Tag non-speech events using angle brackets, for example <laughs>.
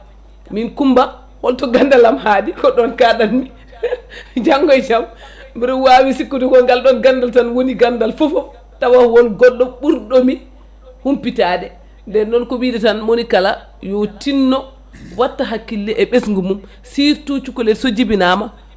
min Coumba wonto gandalam haaɗi ko ɗon kaɗanmi <laughs> janggo e jaam mboɗo wawi sikkude ko nagl ɗon gandal tan woni gandal fofoof tawa won goɗɗo ɓuurɗomi humpitade nden ko wiide tan minokala yo tinno watta hakkille e ɓesgu mum surtout cukalel so jibinama